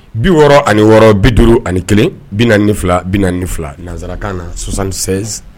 66 51 42 42 nanzarakan na 76